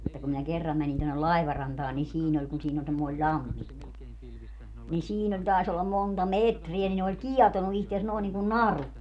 että kun minä kerran menin tuonne laivarantaan niin siinä oli kun siinä oli semmoinen lammikko niin siinä oli taisi olla monta metriä niin ne oli kietonut itsensä noin niin kuin naru